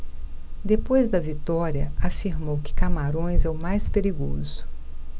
depois da vitória afirmou que camarões é o mais perigoso